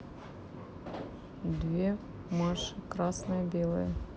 две маши красное белое